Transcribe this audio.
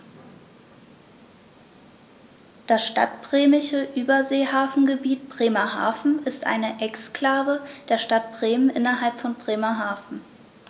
Das Stadtbremische Überseehafengebiet Bremerhaven ist eine Exklave der Stadt Bremen innerhalb von Bremerhaven.